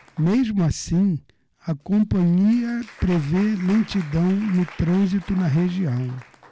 mesmo assim a companhia prevê lentidão no trânsito na região